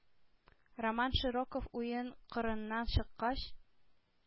Роман Широков уен кырыннан чыккач,